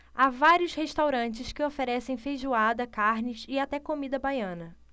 há vários restaurantes que oferecem feijoada carnes e até comida baiana